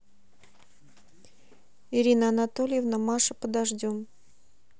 ирина анатольевна маша подождем